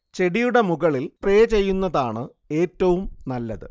ചെടിയുടെ മുകളിൽ സ്പ്രേ ചെയ്യുന്നതാണ് ഏറ്റവും നല്ലത്